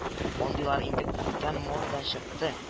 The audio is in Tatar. Андыйлар инде күптән модадан чыкты